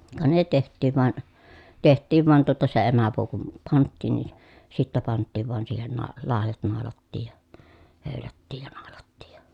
ka ne tehtiin vain tehtiin vain tuota se emäpuu kun pantiin niin sitten pantiin vain siihen - laidat naulattiin ja höylättiin ja naulattiin ja